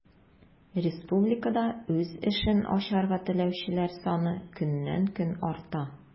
Республикада үз эшен ачарга теләүчеләр саны көннән-көн арта.